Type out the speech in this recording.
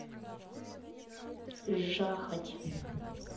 жахать